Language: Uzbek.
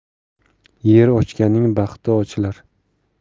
yer ochganning baxti ochilar